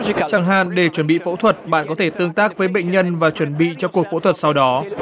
chẳng hạn để chuẩn bị phẫu thuật bạn có thể tương tác với bệnh nhân và chuẩn bị cho cuộc phẫu thuật sau đó